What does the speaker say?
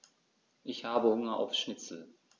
Ich habe Hunger auf Schnitzel.